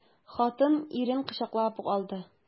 Хатын ирен кочаклап ук алды.